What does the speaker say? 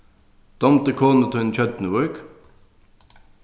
dámdi konu tíni tjørnuvík